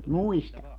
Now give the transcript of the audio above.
muistan